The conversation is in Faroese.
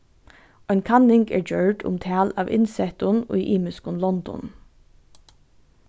ein kanning er gjørd um tal av innsettum í ymiskum londum